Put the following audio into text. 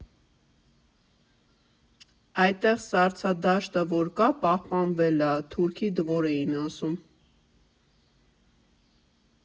Այդտեղ սառցադաշտը որ կա, պահպանվել ա, թուրքի դվոր էին ասում։